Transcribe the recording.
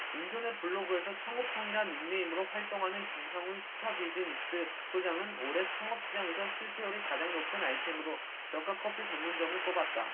인터넷 블로그에서창업통이란 닉네임으로 활동하는 김상훈 스타트비즈니스 소장은 올해 창업시장에서 실패율이 가장 높은 아이템으로 저가 커피 전문점을 꼽았다